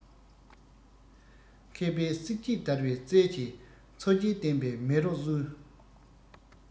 མཁས པས བསྲེགས བཅད བརྡར བའི རྩལ གྱིས མཚོ སྐྱེས བསྟན པའི མེ རོ གསོས